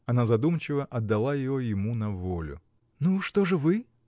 Она задумчиво отдала ее ему на волю. — Ну, что же вы?